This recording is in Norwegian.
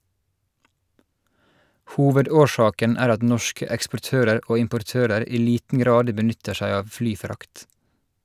Hovedårsaken er at norske eksportører og importører i liten grad benytter seg av flyfrakt.